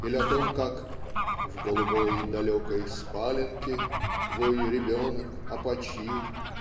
иль о том, как В голубой далекой спаленке Твой ребенок опочил